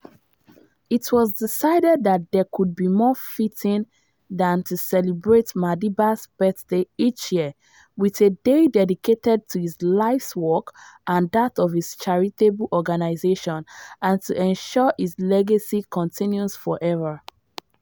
It was decided that there could be nothing more fitting than to celebrate Madiba’s birthday each year with a day dedicated to his life’s work and that of his charitable organisations and to ensure his legacy continues forever.